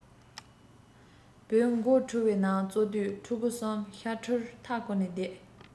བེའུ མགོ ཕྲུ བའི ནང བཙོ དུས ཕྲུ གུ གསུམ ཤ ཕྲུར མཐའ སྐོར ནས བསྡད